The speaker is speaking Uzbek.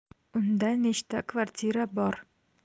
unda nechta kvartira bor